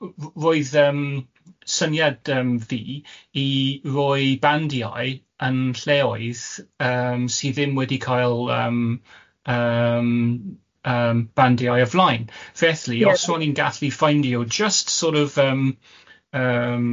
r- r- roedd yym syniad yym fi, i roi bandiau yn lleoedd yym sy ddim wedi cael yym yym yym bandiau o flaen, felly... Ie. ...os o'n i'n gallu ffeindio jyst sort of yym yym